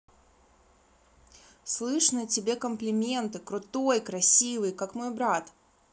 слышь на тебе комплименты крутой красивый как мой брат